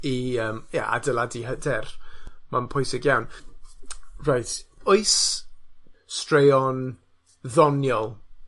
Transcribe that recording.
i yym ie adeiladu hyder, ma'n pwysig iawn. Reit, oes straeon ddoniol